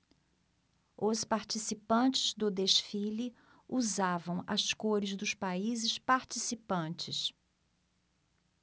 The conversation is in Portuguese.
os participantes do desfile usavam as cores dos países participantes